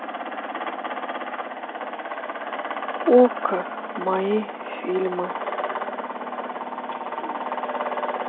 окко мои фильмы